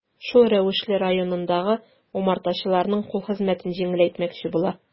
Шул рәвешле районындагы умартачыларның кул хезмәтен җиңеләйтмәкче була.